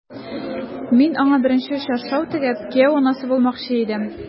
Мин аңа беренче чаршау тегеп, кияү анасы булмакчы идем...